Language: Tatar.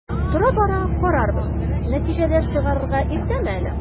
Тора-бара карарбыз, нәтиҗәләр чыгарырга иртәме әле?